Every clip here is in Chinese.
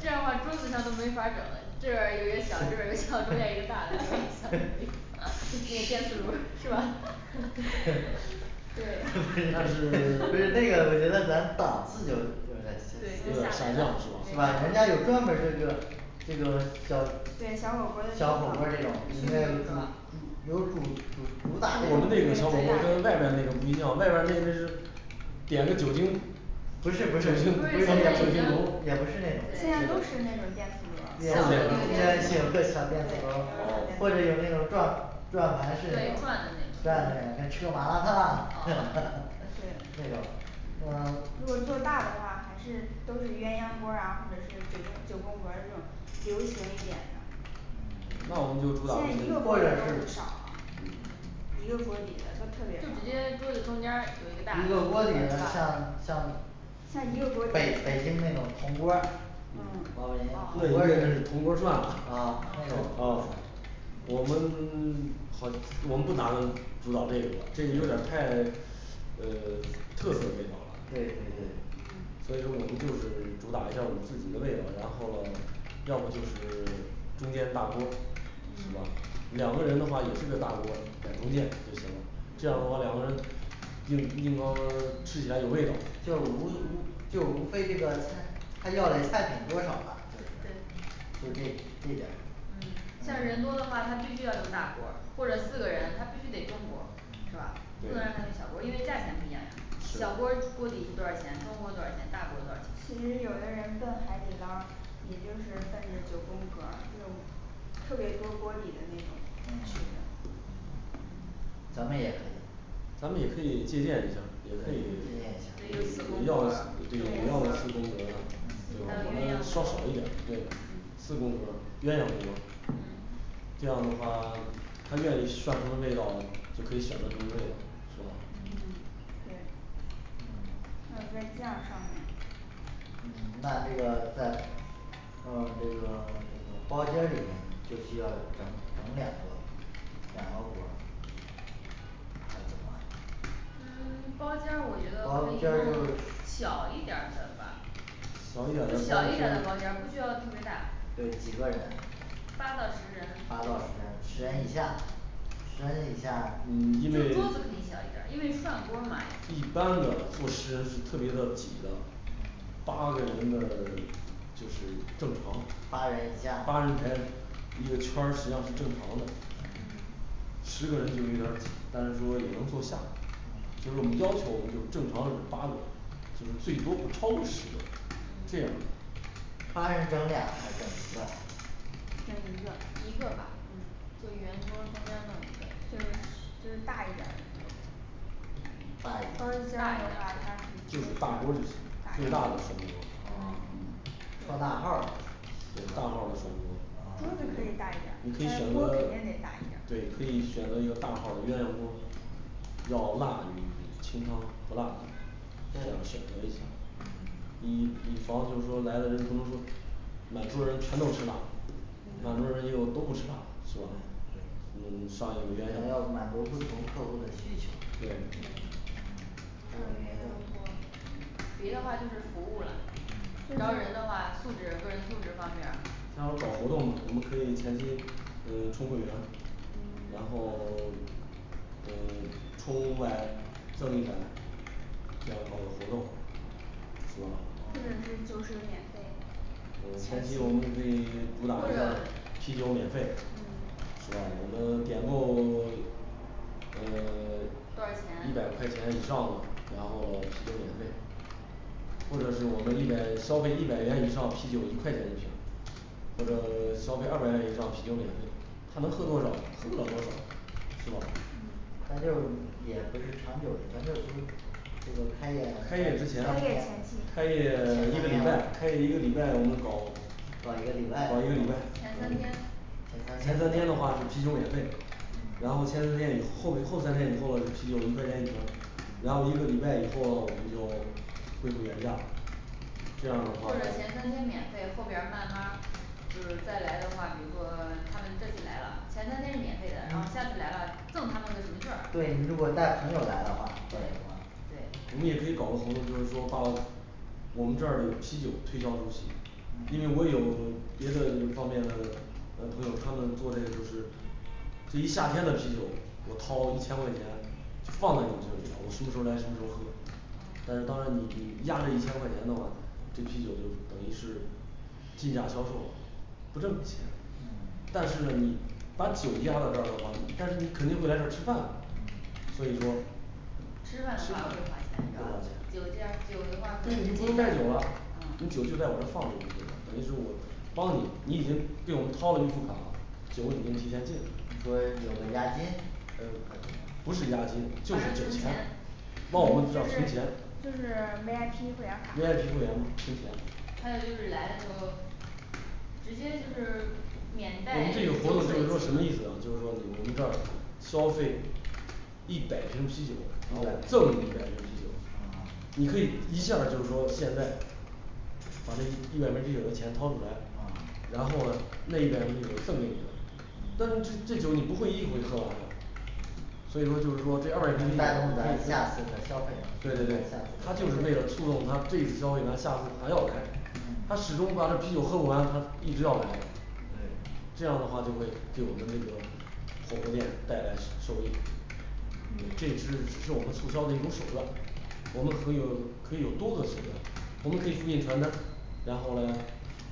这样样话啊 桌子上就没法整了这边一个小的这边又出现一个对大的 是吧我估计对他是 那个有点难放，人家对有有就点儿下下来专门降了那个 是是吧吧人对家有专门儿这个这个小对小火锅小火锅儿儿的这这个种虚里面拟主有主主主打这我们种这种小火锅跟外边那个不一样外边那那那点个酒精不是不不是是现，在已也经不是那种现在的都就是那是种电磁炉儿转盘式对可那种以转的那转嘞吃种个麻辣烫哦啊 对那种呃如果做大的话还是都是鸳鸯锅儿啊或者是九井九宫格儿这种流行一点的那嗯 我们现在一就主打那什个么锅或底者都挺是少，一个锅底都就特别直接桌子少中间儿有一大一个锅底儿像像像一个锅底北儿北京那种铜锅儿嗯老那北你这个是铜锅儿京涮吧嗯啊哦啊啊我们很我们不打主打这个，这个有点太 呃特别味道啊对所对对以说我们就是主打一下儿我们自己的味道然后了要么就是中间大锅儿是吧嗯两个人的话也是这大锅在中间就行这样的话两个人吃起来有味道就无无就无非这个菜他要的菜品多少了就这 就这这点儿嗯嗯对是其实有的人奔海底捞，也就是奔着九宫格儿这种特别多锅底的那嗯种去 咱们也可咱们也可以借鉴一下也可以，借鉴一下对也可有以四宫你格要的儿是啥九你要的四宫宫格格儿儿，，或还有者也愿意鸳鸯稍锅好一儿点儿的，四嗯宫格儿鸳鸯锅儿这样的话他愿意涮什么味道，就可以选择什么味道是吧嗯嗯对还有在酱上面嗯那这个在呃这个包间里头儿就需要整整两个俩包裹还有嘛嗯包包间间儿我觉就得是小一点儿的吧小一点就小一点儿的的包包间间儿儿不需要特别大对几个人八八到到十人十十人人以下十人以下嗯就因为桌子可以小一点儿因为涮锅儿吗一般的坐十人是特别的挤得八个人的 就是正常八八人一下人嗯台一个圈儿实际上是正常的八人整俩还是整一个整一个嗯就圆桌旁边儿就弄一个是就是大一点儿的大一包间儿的话他肯大的点话多就定是大锅儿就行，大一点最大的儿涮锅啊，，就特大大号号儿的涮桌锅子可啊以大一点儿，你可但以是选锅择肯定得大一点，对儿可以选择一个大号儿的鸳鸯锅儿要辣与清汤不辣都要选择一下嗯以以防就是说来的人通通满桌儿人全都吃辣，满桌儿人又都不吃辣对对是吧你上一鸳咱要满鸯足不同客户的需求对对还有鸳别鸯的吗锅别的话就是服务了招人的话素质个人素质方面儿然后搞活动我们可以前期嗯冲会员，然后呃充五百赠一百这样搞个活动是吧或者是酒水免费嗯前期我们可以主或打这者个啤酒免费嗯，是吧我们点够 呃多少 一百块钱钱以上的，然后啤酒免费或者是我们一百消费一百元以上啤酒一块钱一瓶或者消费二百元以上啤酒免费他能喝多少喝不了多少，是吧嗯咱这也不是长久的咱这不这个开开业业之开前业前期开业 一个礼拜，开业一个礼拜，我们搞搞一个礼搞拜有一个礼点拜多对，，前前三三天天的话就啤酒免费了然后前四天以后后三天以后啤酒一块钱一瓶，然后一个礼拜以后我们就恢复原价这样的话对，如果你带朋友来的话赠什么对我们也可以搞个活动就是说把我们这儿有啤酒推销周期因为我有别的方面的呃朋友他们做类就是这一夏天的啤酒，我掏一千块钱放到你这里来，我什么时候来什么时候喝但是当然你压这一千块钱的话，这啤酒就等于是进价销售，不挣你钱，嗯但是你把酒压到这儿的话，但是你肯定会来这儿吃饭嗯所以说吃饭哪有不花钱的有这样有的不话花啊钱那你不能带酒啊你酒就在我这放着呢就等于是我帮你你已经被我们掏了预付款了酒已经提前禁了你说有个押金呃不是押金就是酒钱往就是我们这存钱就是V，V I I P P 会会员卡员嘛存钱还有就是来的时候，直接就是我免带们酒这个活动就水是说什么意进思呢就是说我们这消费一百瓶啤酒，然后赠你一百瓶啤酒啊你可以一下儿就是说现在把这一百瓶啤酒的钱掏出来啊然后呢那边那个更那个但是这酒你不会一回喝完所以就是说这二百瓶能带动咱下次的消费嗯对对能带对下次他就的是为了消费促动他这次消费完下次还要来，他嗯始终把这啤酒喝不完，他一直要来对这样的话就会对我们那个火锅店带来收益，这也是只是我们促销的一种手段我们可有可以有多个手段，我们可以复印传单，然后呢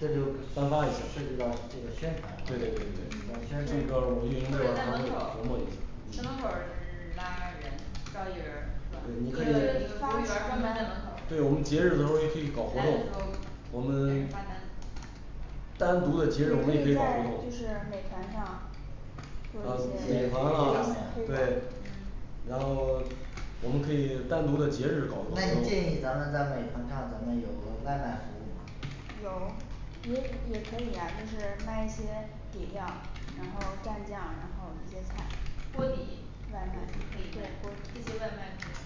这就颁发一下这是老这个宣传对对对对对嘛，是吧宣嗯这块儿对这个在门我传们运营口儿这边儿在还得琢磨一下门口儿儿嗯嗯拉 人招一人是吧对你你可可以以专门一人专门在门口来的时候对我们节日的时候可以搞活动我给人们发单单独的也可以在节日我们也可以搞活动就是美团上。还嗯有美一团些啊微信对推导然后我们可以单独的节日搞活动那你建议咱们在美团上咱们有个外卖服务吗有也也可以呀就是卖一些底料，然后蘸酱，然后一些菜锅外底这些卖对锅底外卖可以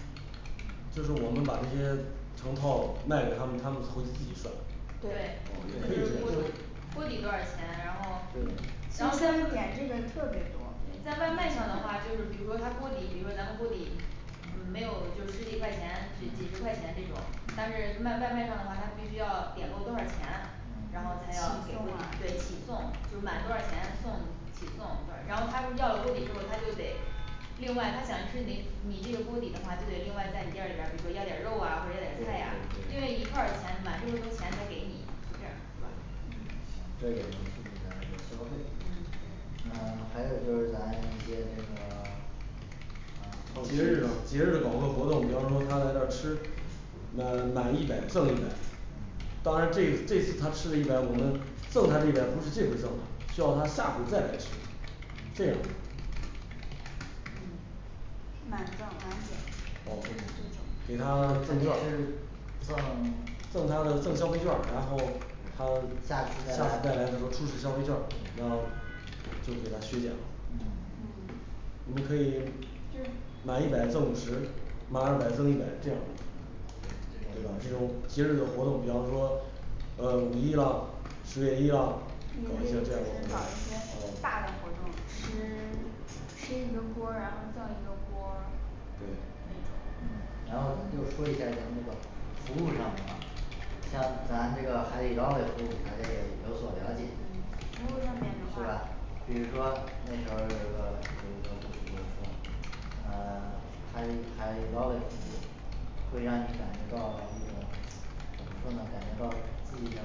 就是我们把那些成套卖给他们，他们回去自己涮哦也可以这样就对对也就是锅底是锅底多少钱然后，对现现在点这个特别多对在外卖上的话就是比如说他们锅底比如说咱锅底嗯没有就十几块钱几几十块嗯钱这种，但是嗯卖外卖上的话它必须要点够多少钱，嗯然后才嗯要起给送啊对起送就满多少钱送起送然后他们要锅底之后他就得另外他想吃你你这个锅底的话就得另外在你店里边，比如说要点肉啊或者要对点菜呀，因为一对对半钱买就是说钱还给你就这样这也能自己来这消嗯费还有就是咱接这个啊后勤节日啊节就日搞个活动，比方说他来这吃嗯满一百赠一百嗯当然这次这次他吃了一百，我们赠他这一百，不是这回赠的，需要他下次再来吃。这样嗯满赠返减对对对给咱他赠劵这是，赠赠 他个赠消费券，然后他下下次次再再来来能够出示消费劵，让就给他削减了嗯嗯。你们可以就是就是满一百赠五十满二百赠一百这样这个这个这种节日的活动比方说呃五一啦十月一啦也可以弄一些大的活动吃 吃一个锅儿，然后赠一个锅儿那对种嗯然后就说一下儿咱这个服务上的吧像咱这个海底捞的服务还得有所了解嗯服务上面的，是话吧比如说那时候有我就是说就是呃 还还高了一些，会让你感觉到一个怎么说呢感觉到自己的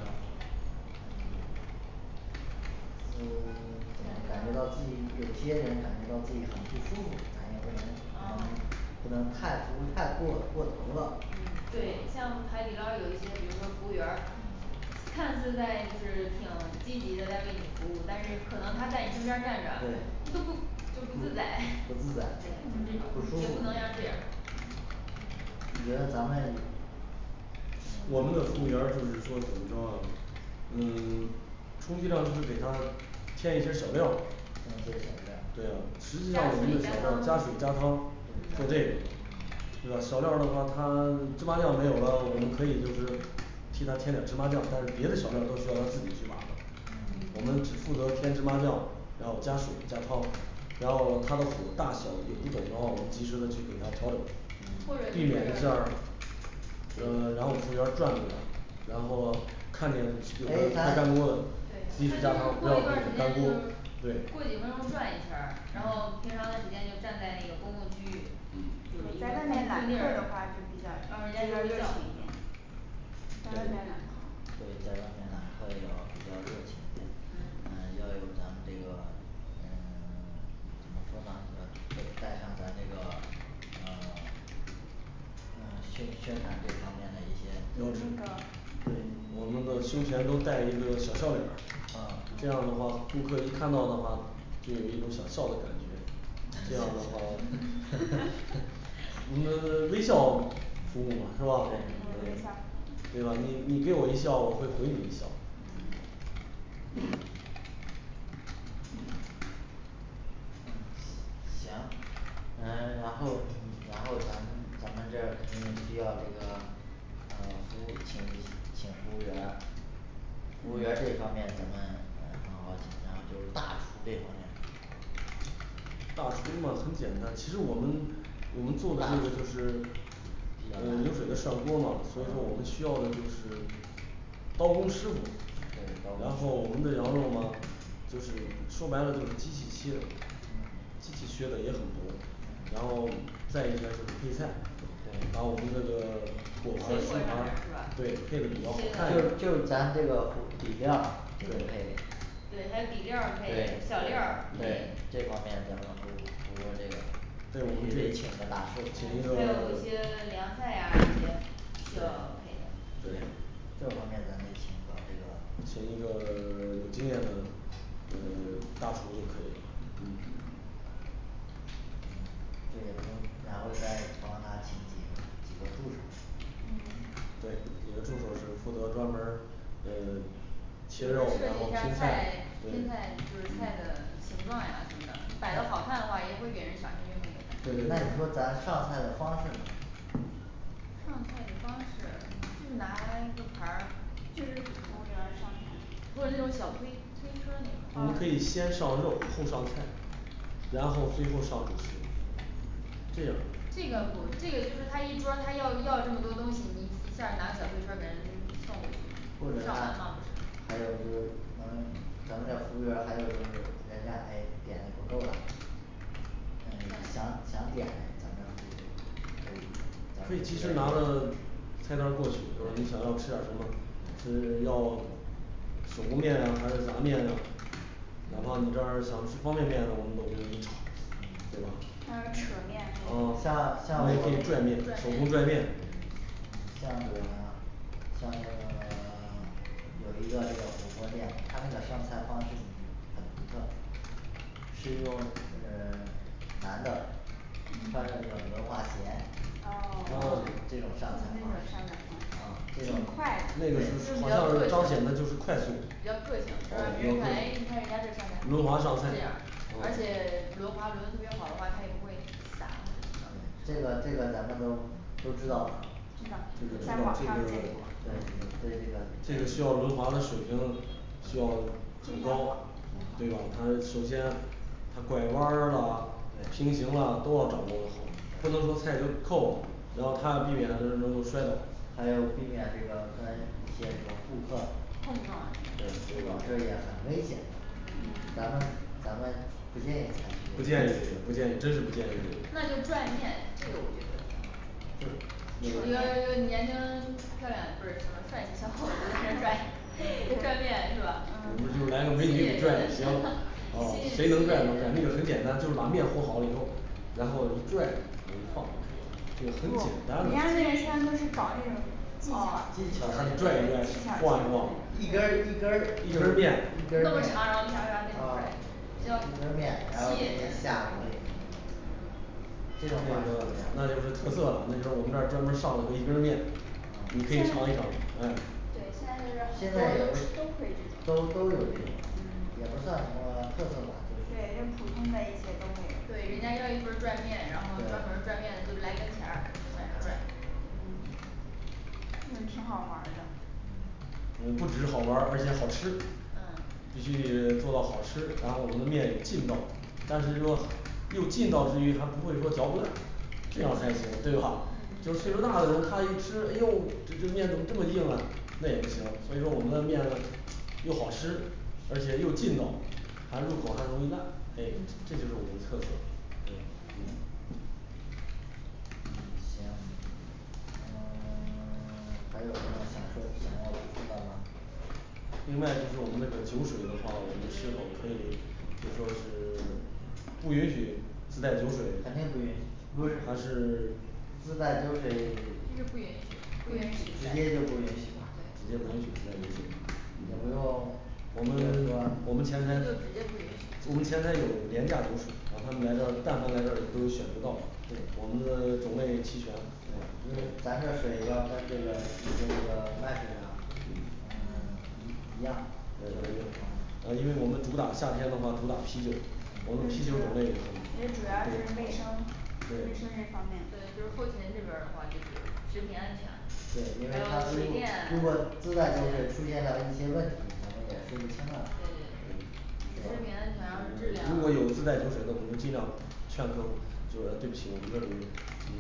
就感觉到自己有些人感觉到自己很不舒服感觉咱就不能啊不能不能太不太过过头了嗯对，像海底捞儿有一些比如说服务员儿看是在就是挺积极的在为你服务，但是可能他在你身边儿站着对都不就不不不自自在在， 就不舒服不能像这样你觉得咱们我们的服务员儿就是说怎么着呢？嗯 充其量就是给他添一些小料儿添一些，小料儿对，实际上我们就加加水加汤水加汤就这个是吧小料的话他芝麻酱没有了，我们可以就是替他添点芝麻酱，但是别的小料都需要他自己去拿呢，我们只负责添芝麻酱然后加水加汤然后他的火大小有一种状况，我们及时的去给他调火嗯或者避免一是下儿呃然后服务员儿转了一那个，然后看见就是诶开咱干锅了对他就是过一段时间，就是及时加汤不要让它干锅对过几分钟转一圈儿，然后平常的时间就站在一个公共区域在外面揽客对在外面呢他也要比较热情一点。 要有咱们这个嗯 怎么说呢要带上咱这个嗯 呃宣宣传这方面的一就些那个我们的胸前都戴一个小笑脸儿，啊啊这样的话顾客一看到的话就有一种想笑的感 对对觉。这样的话 我对们微微笑笑服服务务嘛是吧？对吧你你对我一笑我会回你一笑嗯行。嗯然后然后咱们咱们这儿肯定需要这个呃服务，请请服务员儿服务员儿这方面咱们嗯很好请然后就是大厨这方面大厨嘛很简单，其实我们我们做的这大个就厨是比较嗯流水的难上锅儿嘛所以说我们需要的就是刀工师傅对，刀然后我工们师傅的羊肉呢就是说白了就是机器切的嗯机器削的也很薄。然嗯后再应该就是配菜把我们这个水果啥的对是配的比吧较好切看一就点得就是咱这个火 底料得配。对，还有底料对儿配小料对配这方面咱们和和这个也对我们可可以以请请个大师嗯一对还有一个 些凉菜呀也需要配的这方面咱们寻请一找个 有经这验个的呃 大厨就可以了嗯嗯呢最终然后再帮他请几个几个助手。嗯对有的助手是负责专门儿呃 切请人肉设然后计一下拼菜菜对嗯切菜就是菜的形状呀什么的，摆的好看的话也会给人赏心悦目的对对那你说对咱上菜的方式呢上菜的方式，就拿 一个牌儿就是服务员儿上呀或者那种小推推车我那种们可以先上肉后上菜，然后最后上主食这样或者啥还有就是咱们咱们的服务员儿还有就是人家还点的不够了呃想想点咱们是其实拿了菜单儿过去，就是你想要吃点儿什么？是要手工面呢还是杂面啊哪怕你这儿想方便面我们都可以给您炒对吧？嗯像是扯你面那种哦像像我也可以拽面手工拽面嗯像这样，像这个 有一个这个火锅店它那个上菜方式很独特是一种呃男的穿着那个轮滑鞋哦那这种种上上菜菜方方式啊式这种挺快的就是比较个性比较个性，而且轮滑玩的特别好的话他也不会撒或者呃什么这个这个咱们都都知道吧，知道这对对个需在网上要见过这个这这个个需要轮滑的水平希望很高，对吧？他首先他拐弯啦，平对行啦都要掌握好，不能说菜就扣，然后他要避免就是那种摔倒碰撞不建议这个不建议真是不建议那这个就拽面这个我觉得挺好就是比如一个年轻漂亮的不是只能帅气的小伙子在那给拽拽面是吧我们就来美女给拽，然后谁能拽就拽那个很简单，就是把面和好了以后？然后一拽我一放就不可以了。这个人家那很个像就是简搞单那种技技巧巧他拽一拽晃一晃一根儿一根儿就一一根根儿儿面那么的长然后那种啊拽一根儿面然后就是下锅里头这样这个那就是特色了那就是我们这专门上的一根面你可以尝一尝嗯现在对现现在在就是都可以这种都都有这种也不算什么特色吧嗯对就就是普通的一些都会对人有家要一份儿拽面，然后专门儿对拽面的来跟前儿在那儿拽那挺好玩儿的嗯嗯不只好玩而且好吃必嗯须做到好吃然后我们的面有劲道但是说又劲道必须还不会说嚼不烂这样才行对吧？就是岁数大的人，他一吃呦这这面怎么这么硬哎那也不行，所以说我们的面呢又好吃而且又劲道还入口还容易烂这个这就是我们的特色对行嗯 还有什么想说想要补充的吗另外就是我们那个酒水的话，我们是否可以就说是不允许自带酒水肯定不允许还是自带酒水直接这就是不不允不允许的许对允许吧直接不对允许带饮品也不用 我就们是说我们前台我们前台有廉价酒水他们来到但凡来这可以选择到对我对们的种类齐全对因为咱这水要跟这个这个卖出去的嗯 一一样呃因为我们主打夏天的话主打啤酒我们啤酒种类也其实很主多要就是卫生卫生这方面对就是后勤这边的话就是食品安全对因为他如果如果自带酒水出现了一些问题，咱们就说不请了对对对食品安全如果有质自带酒量水的，我就尽量劝客户儿就说对不起我们这里嗯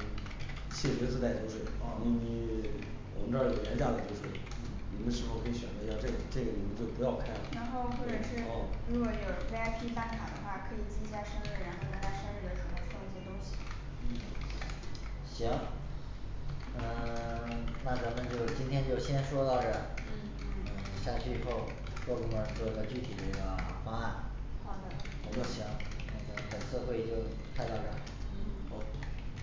谢绝自带酒水，你啊你我们这儿有廉价的酒水嗯你们是否可以选择一下这个这个你们就不要开然了后或者是如果有V I P办卡的话可以添加生日，然后在他生日的时候送一些东西，嗯行 行。嗯 那咱们就今天就先说到这嗯嗯嗯下去以后各部门儿做个具体这个方案好的行好的。那这样本次会议就开到这儿嗯好